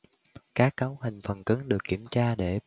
các cấu hình phần cứng được kiểm tra để